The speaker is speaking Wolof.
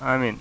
amiin